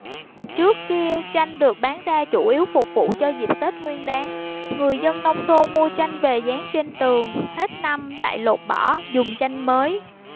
trước kia tranh được bán ra chủ yếu phục vụ cho dịp tết nguyên đán người dân nông thôn mua tranh về dán trên tường hết năm lại lột bỏ dùng tranh mới